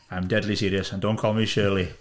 I'm deadly serious, and don't call me Shirley.